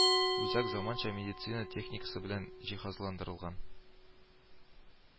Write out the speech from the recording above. Үзәк заманча медицина техникасы белән җиһазландырылган